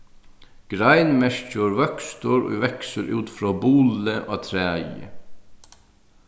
grein merkir vøkstur ið veksur út frá buli á træi